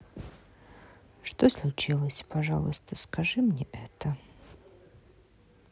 что случилось пожалуйста скажите мне это